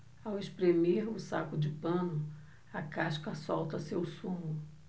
ao espremer o saco de pano a casca solta seu sumo